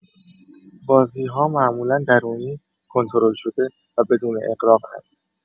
بازی‌ها معمولا درونی، کنترل‌شده و بدون اغراق‌اند.